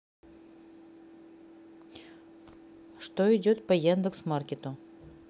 что идет по яндекс маркету